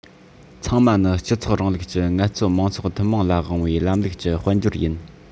ཚང མ ནི སྤྱི ཚོགས རིང ལུགས ཀྱི ངལ རྩོལ མང ཚོགས ཐུན མོང ལ དབང བའི ལམ ལུགས ཀྱི དཔལ འབྱོར ཡིན